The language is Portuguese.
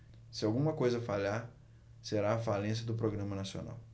se alguma coisa falhar será a falência do programa nacional